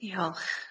Diolch.